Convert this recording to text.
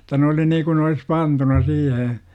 jotta ne oli niin kuin ne olisi pantuna siihen